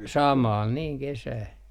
samalla niin kesää